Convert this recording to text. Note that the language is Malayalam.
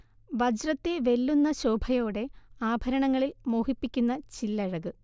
വജ്രത്തെ വെല്ലുന്ന ശോഭയോടെ ആഭരണങ്ങളിൽ മോഹിപ്പിക്കുന്ന ചില്ലഴക്